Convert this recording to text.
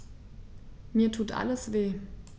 Mir tut alles weh.